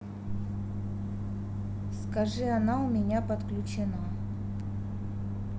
скажи она у меня подключена